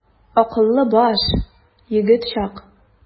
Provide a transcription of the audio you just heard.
Акыллы баш, егет чак.